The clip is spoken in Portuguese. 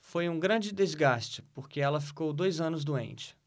foi um grande desgaste porque ela ficou dois anos doente